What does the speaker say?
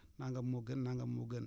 nangam moo gën nangam moo gën